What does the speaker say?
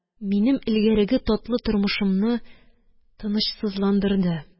Минем элгәреге татлы тормышымны тынычсызландырды